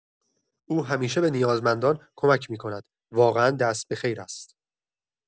او همیشه به نیازمندان کمک می‌کند، واقعا دست به خیر است.